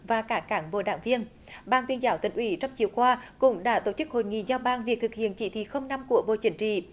và các cán bộ đảng viên ban tuyên giáo tỉnh ủy trong chiều qua cũng đã tổ chức hội nghị giao ban việc thực hiện chỉ thị không năm của bộ chính trị